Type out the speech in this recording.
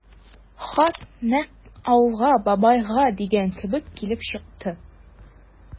Хат нәкъ «Авылга, бабайга» дигән кебек килеп чыкты.